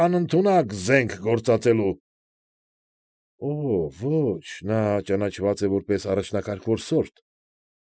Անընդունակ զենք գործածելու։ Օօ՜, ոչ, նա ճանաչված է որպես առաջնակարգ որսորդ։